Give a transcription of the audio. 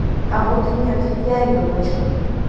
а вот и нет я ее дочка